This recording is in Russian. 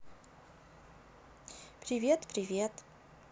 привет привет